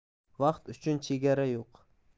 vaqt uchun chegara yo'q